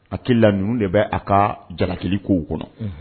Hakili la ninnu de bɛ a ka jalakili kow kɔnɔ